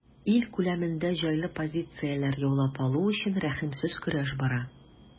Ил күләмендә җайлы позицияләр яулап калу өчен рәхимсез көрәш бара.